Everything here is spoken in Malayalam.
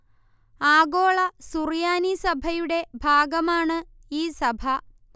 ആഗോള സുറിയാനി സഭയുടെ ഭാഗമാണ് ഈ സഭ